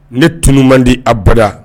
Ne tun man di abada